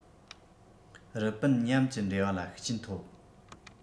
རི པིན མཉམ གྱི འབྲེལ བ ལ ཤུགས རྐྱེན ཐོབ